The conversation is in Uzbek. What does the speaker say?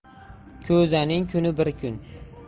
ko'zaning kuni bir kun